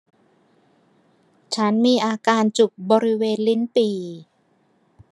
ฉันมีอาการจุกบริเวณลิ้นปี่